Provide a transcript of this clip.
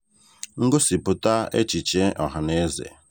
Ngosipụta echiche ọhanaeze